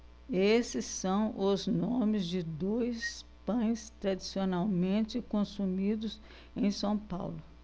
esses são os nomes de dois pães tradicionalmente consumidos em são paulo